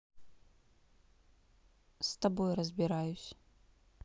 с тобой разбираюсь